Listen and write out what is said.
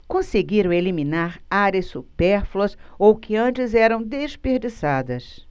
conseguiram eliminar áreas supérfluas ou que antes eram desperdiçadas